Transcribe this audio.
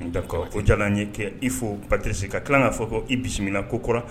Ko ja ye kɛ i fɔ patesi ka tila k'a fɔ ko bisimilamina na ko kura